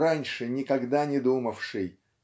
раньше никогда не думавшей